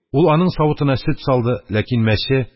. ул аның савытына сөт салды. ләкин мәче